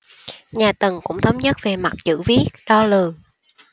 nhà tần cũng thống nhất về mặt chữ viết đo lường